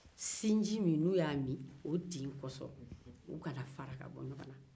sinji min n'u y'a min o tin kosɔn u kana fara ka bɔ ɲɔgɔn na